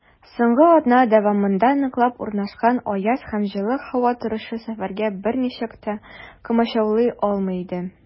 Соңгы атна дәвамында ныклап урнашкан аяз һәм җылы һава торышы сәфәргә берничек тә комачаулый алмый иде.